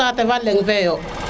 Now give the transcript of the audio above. sate fa leŋ fe yo